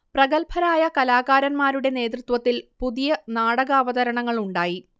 പ്രഗല്ഭരായ കലാകാരന്മാരുടെ നേതൃത്വത്തിൽ പുതിയ നാടകാവതരണങ്ങളുണ്ടായി